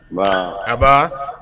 Nba aba